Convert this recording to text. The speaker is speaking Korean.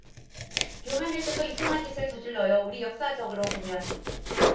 교만해져서 이상한 짓을 저질러요 우리 역사적으로 보면